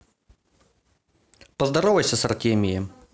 поздоровайся с артемием